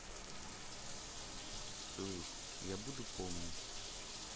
sweet я буду помнить